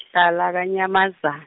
ngihlala Kanyamazan-.